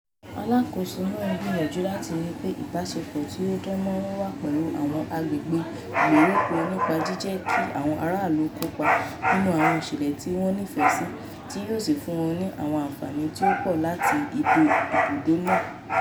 Alákóso náà ń gbìyànjú láti ríi pé ìbáṣepọ̀ tí ó dán mẹ́rán wà pẹ̀lú àwọn agbègbè ìgbèríko nípa jíjẹ́ kí àwọn ará ìlú ó kópa nínú àwọn ìṣẹ̀lẹ̀ tí wọ́n nífẹ̀ẹ́ sí tí yóò sì fún wọn ní àwọn àǹfààní tí ó pọ̀ láti ibùdó náà.